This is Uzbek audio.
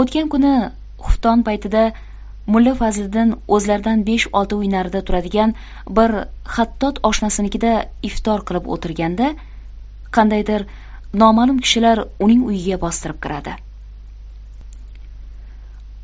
o'tgan kuni xufton paytida mulla fazliddin o'zlaridan besh olti uy narida turadigan bir xattot oshnasinikida iftor qilib o'tirganda qandaydir noma'lum kishilar uning uyiga bostirib kiradi